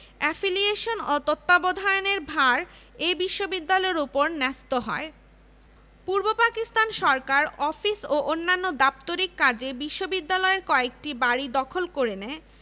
অসহযোগিতাকারীরা শিক্ষার্থীদের বেতন ৮ টাকার পরিবর্তে ৬০ টাকা করার গুজব রটিয়েছে এতে ছাত্ররা ১৯২১ সালে প্রথম সেশনে ভর্তিতে নিরুৎসাহিত হয়